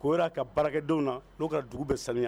O jira a ka baaradenw na n'o ka dugu bɛ saniya.